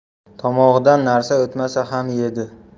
tomog'idan narsa o'tmasa xam yedi